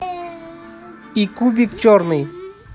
и кубик черный